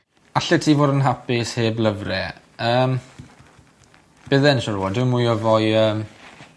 Allet ti fod yn hapus heb lyfrau? Yym bydden siŵr o fod dwi mwy o foi yym